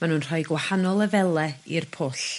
ma' nw'n rhoi gwahanol lyfele i'r pwll.